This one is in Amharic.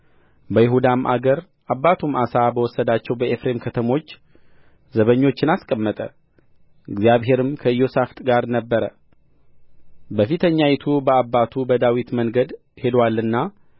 በይሁዳም አገር አባቱም አሳ በወሰዳቸው በኤፍሬም ከተሞች ዘበኞችን አስቀመጠ እግዚአብሔርም ከኢዮሳፍጥ ጋር ነበረ በፊተኛይቱ በአባቱ በዳዊት መንገድ ሄዶአልና